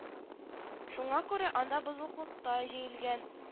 Шуңа күрә анда бозыклыкта җәелгән